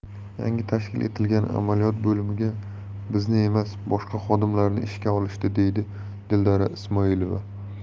yangi tashkil etilgan amaliyot bo'limiga bizni emas boshqa xodimlarni ishga olishdi deydi dildora ismoilova